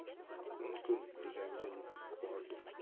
o'n kun deganda yetib bordik